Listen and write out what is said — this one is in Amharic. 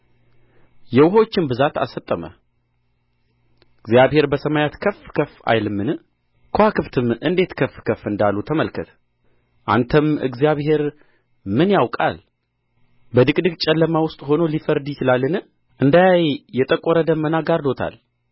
የውኆችም ብዛት አሰጠመህ እግዚአብሔር በሰማያት ከፍ ከፍ አይልምን ከዋክብትም እንዴት ከፍ ከፍ እንዳሉ ተመልከት አንተም እግዚአብሔር ምን ያውቃል በድቅድቅ ጨለማ ውስጥ ሆኖ ሊፈርድ ይችላልን እንዳያይ የጠቈረ ደመና ጋርዶታል